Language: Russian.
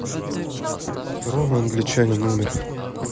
рома англичанин умер